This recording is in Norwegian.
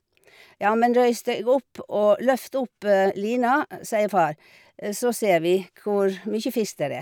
Ja, men reis deg opp og løft opp lina, sier far, Så ser vi hvor mye fisk der er.